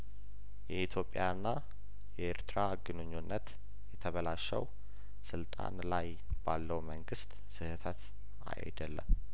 የኢትዮጵያ ና የኤርትራ ግኑኙነት የተበላሸው ስልጣን ላይ ባለው መንግስት ስህተት አይደለም